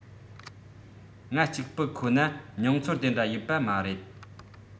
ང གཅིག པུ ཁོ ན མྱོང ཚོར དེ འདྲ ཡོད པ མ རེད